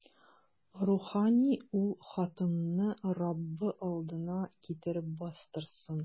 Рухани ул хатынны Раббы алдына китереп бастырсын.